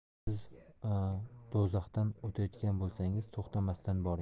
agar siz do'zaxdan o'tayotgan bo'lsangiz to'xtamasdan boring